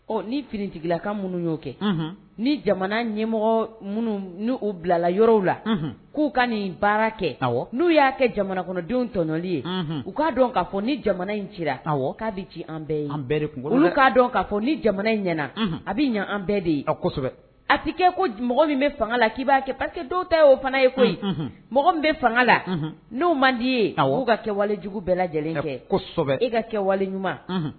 Ni finitigila ka minnu y'o kɛ ni jamana ɲɛmɔgɔ minnu ni u bilala yɔrɔ la k'u ka nin baara kɛ aw n'u y'a kɛ jamana kɔnɔdenw tɔɔninli ye u k'a dɔn k'a fɔ ni jamana in ci aw k'a bɛ ji an bɛɛ ye an kunkolo olu k'a dɔn k kaa fɔ ni jamana in ɲɛna a bɛ ɲɛ an bɛɛ de ye a kosɛbɛ a tɛ kɛ ko mɔgɔ min bɛ fanga k' b'a kɛ pakedenw ta y oo fana ye koyi mɔgɔ min bɛ fanga la n'o man di' ye a'u ka kɛ walejugu bɛɛ lajɛlen kɛ kosɛbɛ e ka kɛ wali ɲuman